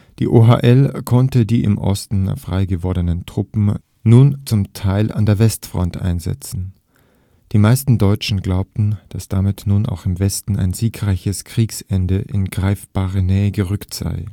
Die OHL konnte die im Osten frei gewordenen Truppen nun zum Teil an der Westfront einsetzen. Die meisten Deutschen glaubten, dass damit nun auch im Westen ein siegreiches Kriegsende in greifbare Nähe gerückt sei